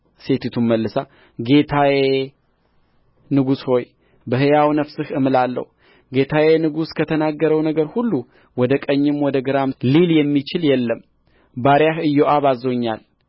ሴቲቱም መልሳ ጌታዬ ንጉሥ ሆይ በሕያው ነፍስህ እምላለሁ ጌታዬ ንጉሥ ከተናገረው ነገር ሁሉ ወደ ቀኝም ወደ ግራም ሊል የሚችል የለም ባሪያህ ኢዮአብ አዝዞኛል